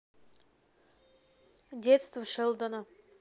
детство шелдона